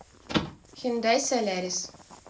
hyundai solaris